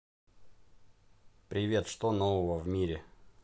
привет что нового в мире